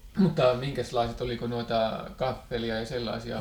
mutta minkäslaiset oliko noita kahveleita ja sellaisia